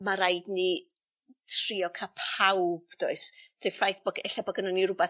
ma' raid ni trio ca' pawb does 'di'r ffaith bo' g... Ella bo' gynnon ni rwbeth